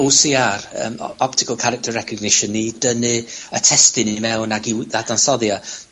Ow See Are yym, O- Optical Character Recognition i dynnu y testun 'yn i mewn ac i'w ddadansoddi o.